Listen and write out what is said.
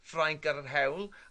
Ffrainc ar yr hewl.